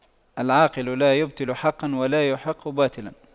العاقل لا يبطل حقا ولا يحق باطلا